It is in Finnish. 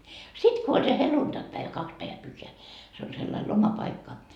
sitten kun oli se helluntaipäivä kaksi päivää pyhää se oli sellainen lomapaikka